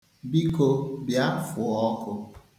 Biko, bịa fụọ ọkụ